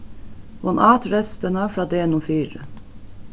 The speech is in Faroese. hon át restirnar frá degnum fyri